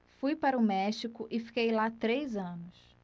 fui para o méxico e fiquei lá três anos